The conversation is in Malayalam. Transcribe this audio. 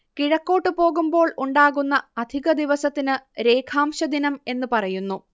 കിഴക്കോട്ടു പോകുമ്പോൾ ഉണ്ടാകുന്ന അധികദിവസത്തിന് രേഖാംശദിനം എന്നു പറയുന്നു